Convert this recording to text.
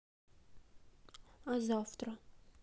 а завтра